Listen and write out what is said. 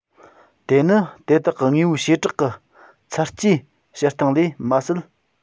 དེ ནི དེ དག གི དངོས པོའི བྱེ བྲག གི འཚར སྐྱེ བྱེད སྟངས ལས མ ཟད